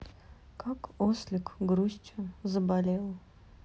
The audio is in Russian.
как ослик грустью заболел